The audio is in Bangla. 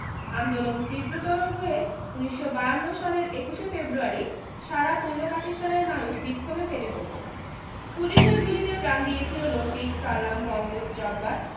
আন্দোলন তীব্রতর হয়ে ১৯৫২ সালের ২১শে ফেব্রয়ারি সারা পূর্ব পাকিস্তানের মানুষ বিক্ষোভে ফেটে পড়ল পুলিশের গুলিতে প্রাণ দিয়েছিল রফিক সালাম বরকত জব্বার